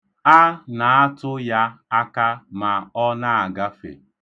A na-atụ ya aka ma ọ na-agafe.